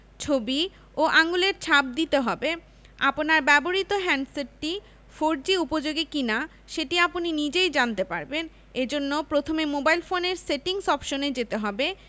ছবি ও আঙুলের ছাপ দিতে হবে আপনার ব্যবহৃত হ্যান্ডসেটটি ফোরজি উপযোগী কিনা সেটি আপনি নিজেই জানতে পারবেন এ জন্য প্রথমে মোবাইল ফোনের সেটিংস অপশনে যেতে হবে